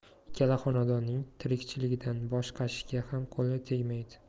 ikkala xonadonning tirikchiligidan bosh qashishga ham qo'li tegmaydi